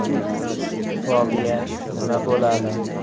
robiya nima bo'ladi